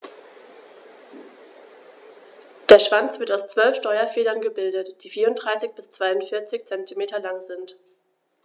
Der Schwanz wird aus 12 Steuerfedern gebildet, die 34 bis 42 cm lang sind.